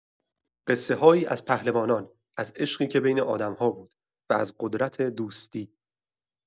قصه‌هایی از پهلوانان، از عشقی که بین آدم‌ها بود، و از قدرت دوستی.